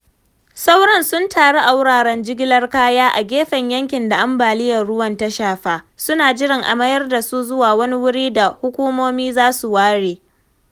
Sauran sun taru a wuraren jigilar kaya a gefen yankin da ambaliyar ruwa ta shafa, suna jiran a mayar da su zuwa wani wuri da hukumomi za su ware